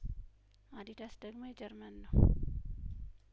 አዲዳስ ደግሞ የጀርመን ነው